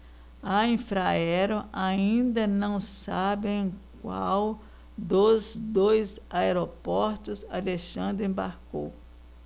a infraero ainda não sabe em qual dos dois aeroportos alexandre embarcou